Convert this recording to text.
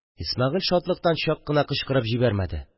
Исмәгыйль шатлыктан чак кына кычкырып җибәрмәде.